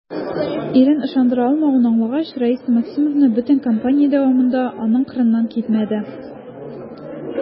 Ирен ышандыра алмавын аңлагач, Раиса Максимовна бөтен кампания дәвамында аның кырыннан китмәде.